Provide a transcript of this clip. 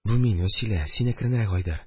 Бу мин... Вәсилә. Син әкренрәк, Айдар.